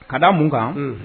Ka da mun kan